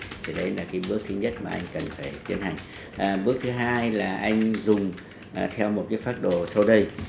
thì đấy là cái bước thứ nhất mà anh cần phải tiến hành bước thứ hai là anh dùng theo một cái phác đồ sau đây